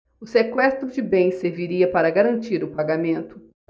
o sequestro de bens serviria para garantir o pagamento